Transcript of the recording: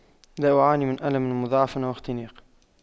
لا أعاني من ألم مضاعف واختناق